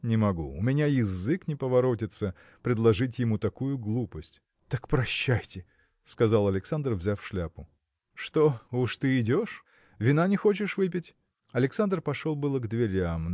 – Не могу: у меня язык не поворотится предложить ему такую глупость. – Так прощайте! – сказал Александр, взяв шляпу. – Что! уж ты идешь? вина не хочешь выпить?. Александр пошел было к дверям